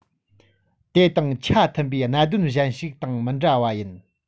དེ དང ཆ མཐུན པའི གནད དོན གཞན ཞིག དང མི འདྲ བ ཡིན